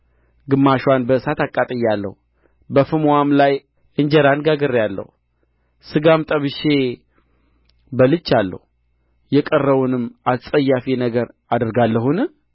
ግማሽዋን በእሳት አቃጥያለሁ በፍምዋም ላይ እንጀራን ጋግሬአለሁ ሥጋም ጠብሼ በልቻለሁ የቀረውንም አስጸያፊ ነገር አደርጋለሁን